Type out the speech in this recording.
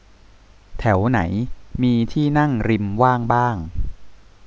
แถวไหนมีที่นั่งริมว่างบ้าง